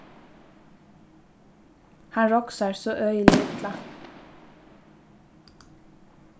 hann roksar so øgiliga illa